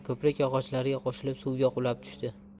ko'prik yog'ochlariga qo'shilib suvga qulab tushdi